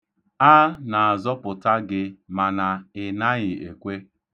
A na-azọpụta gị, mana ị naghị ekwe.